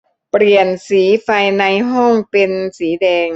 เปลี่ยนสีไฟในห้องเป็นสีแดง